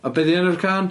A be' 'di enw'r cân?